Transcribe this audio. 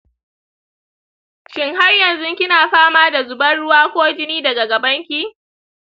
shin harynazu kina fama da zubar ruwa ko jin daga gabanki?